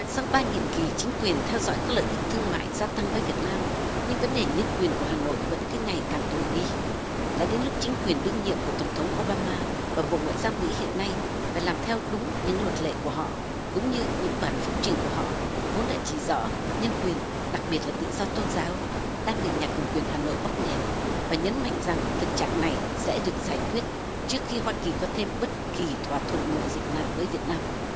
sau ba nhiệm kỳ chính quyền theo dõi các lợi ích thương mại gia tăng với việt nam nhưng vấn đề nhân quyền của hà nội vẫn cứ ngày càng tồi đi đã đến lúc chính quyền đương nhiệm của tổng thống ô ba ma và bộ ngoại giao mỹ hiện nay phải làm theo đúng những luật lệ của họ cũng như những bản phúc trình của họ vốn đã chỉ rõ nhân quyền đặc biệt là tự do tôn giáo đang bị nhà cầm quyền hà nội bóp nghẹt và nhấn mạnh rằng thực trạng này sẽ được giải quyết trước khi hoa kỳ có thêm bất kỳ thỏa thuận mậu dịch nào với việt nam